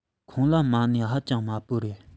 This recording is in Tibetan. ཁོ ལ མ གནས ཧ ཅང དམའ པོ རེད